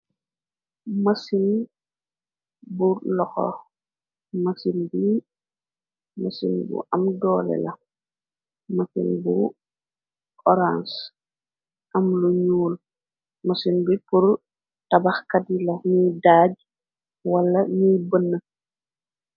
mësil bu loxo mësil bi mësil bu am doole la mësil bu orange am lu ñuul mësil bi pur tabaxkatyila niy daaj wala ñiy bën.